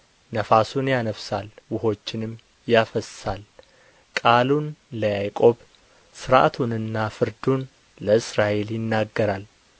ነፋሱን ያነፍሳል ውኆችንም ያፈስሳል ቃሉን ለያዕቆብ ሥርዓቱንና ፍርዱን ለእስራኤል ይናገራል